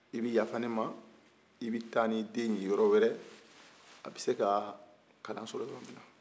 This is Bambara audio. i bi yafa ne ma i bi taa ni den ye yɔrɔ wɛrɛ a bi se ka kalan sɔrɔ yɔrɔ min na